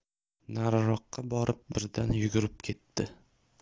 nariroqqa borib birdan yugurib ketdi